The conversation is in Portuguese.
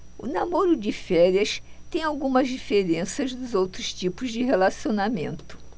o namoro de férias tem algumas diferenças dos outros tipos de relacionamento